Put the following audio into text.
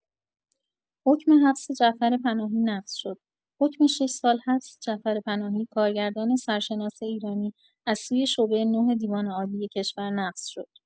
حکم حبس جعفر پناهی نقض شدحکم شش سال حبس جعفر پناهی، کارگردان سرشناس ایرانی از سوی شعبه ۹ دیوان عالی کشور نقض شد.